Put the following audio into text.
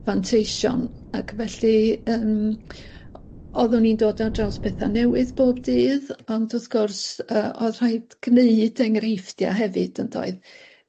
fanteision ac felly yym o'ddwn i'n dod ar draws petha newydd bob dydd ond wrth gwrs yy o'dd rhaid gneud enghreifftia' hefyd yndoedd?